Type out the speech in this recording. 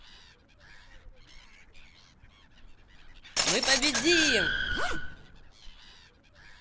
мы победим